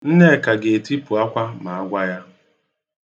Nneka ga-etipụ akwa ma agwa ya.